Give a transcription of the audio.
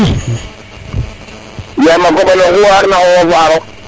yama koɓale oxu ar na xoxof